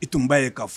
I tun b'a ye k'a fɔ